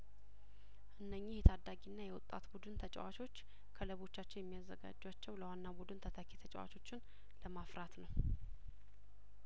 አነኚህ የታዳጊና የወጣት ቡድን ተጨዋቾች ክለቦቻቸው የሚያዘ ጋጇቸው ለዋናው ቡድን ተተኪ ተጨዋቾችን ለማፈራት ነው